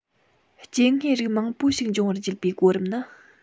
སྐྱེ དངོས རིགས མང པོ ཞིག འབྱུང བར བརྒྱུད པའི གོམ རིམ ནི